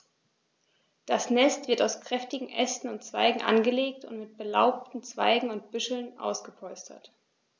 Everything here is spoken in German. Das Nest wird aus kräftigen Ästen und Zweigen angelegt und mit belaubten Zweigen und Büscheln ausgepolstert.